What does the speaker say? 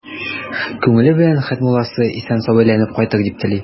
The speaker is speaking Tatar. Күңеле белән Хәтмулласы исән-сау әйләнеп кайтыр дип тели.